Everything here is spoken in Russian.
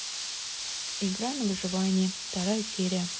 игра на выживание вторая серия